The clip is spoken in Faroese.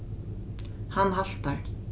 hann haltar